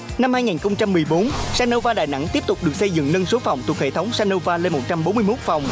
năm hai nghìn không trăm mười bốn sa nô va đà nẵng tiếp tục được xây dựng nâng số phòng thuộc hệ thống sa nô va lên một trăm bốn mươi mốt phòng